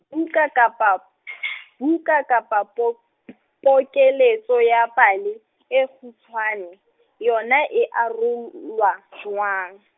-uka kapa , buka kapa pok- , pokeletso ya pale , e kgutshwane , yona e arol- wa jwang?